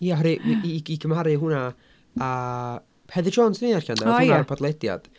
Ie oherwy- i i g- gymharu hwnna â Heather Jones wnaethon ni ddarllen de?... o ie ...oedd hwnna ar y podlediad.